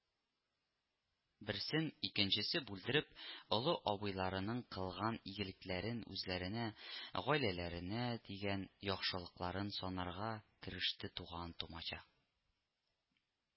Берсен — икенчесе бүлдереп олы абыйларының кылган игелекләрен, үзләренә, гаиләләренә тигән яхшылыкларын санарга кереште туган-тумача